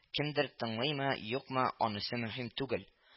Кемдер тыңлыймы-юкмы, анысы мөһим түгел